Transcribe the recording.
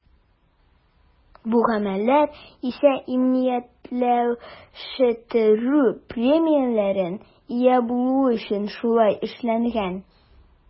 Бу гамәлләр исә иминиятләштерү премияләренә ия булу өчен шулай эшләнгән.